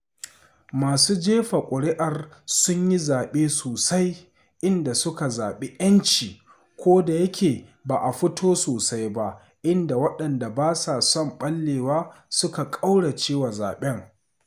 Masu jefa ƙuri’ar sun yi zaɓe sosai inda suka zaɓi ‘yanci kodayake ba a fito sosai ba inda waɗanda ba sa son ɓallewa suka ƙauracewa zaɓen.